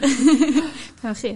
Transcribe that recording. . Be' am chi...